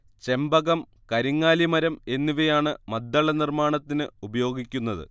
ചെമ്പകം കരിങ്ങാലി മരം എന്നിവയാണ് മദ്ദള നിർമ്മാണത്തിന് ഉപയോഗിക്കുന്നത്